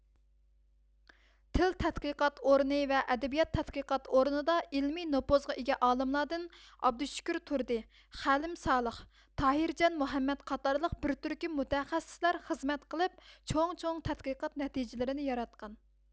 تىل تەتقىقات ئورنى ۋە ئەدەبىيات تەتقىقات ئورنىدا ئىلمىي نوپۇزغا ئىگە ئالىملاردىن ئابدۇشۈكۈر تۇردى خەلىم سالىخ تاھىرجان مۇھەممەد قاتارلىق بىر تۈركۈم مۇتەخەسسىسلەر خىزمەت قىلىپ چوڭ چوڭ تەتقىقات نەتىجىلىرىنى ياراتقان